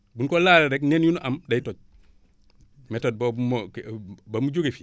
bu nu ko laalee rek nen yu nu am day toj méthode boobu moo kii ba mu jóge fi